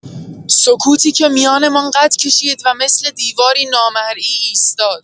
سکوتی که میانمان قد کشید و مثل دیواری نامرئی ایستاد.